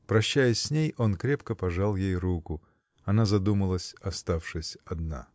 Прощаясь с ней, он крепко пожал ей руку; она задумалась, оставшись одна.